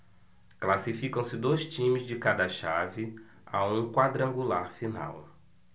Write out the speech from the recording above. classificam-se dois times de cada chave a um quadrangular final